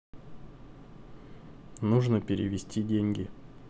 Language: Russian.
нужно перевести деньги